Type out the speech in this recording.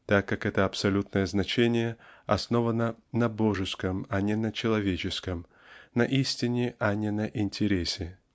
так как это абсолютное значение основано на божеском а не на человеческом на истине а не на интересе.